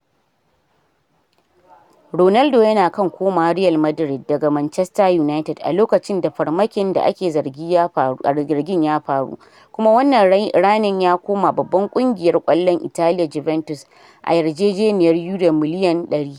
Ronaldo yana kan komawa Real Madrid daga Manchester United a lokacin da farmakin da ake zargin ya faru, kuma wannan ranin ya koma babban kungiyar kwallon Italia Juventus a yarjejeniyar Yuro miliyan100.